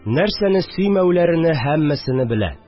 Нәрсәне сөймәүләрене – һәммәсене белә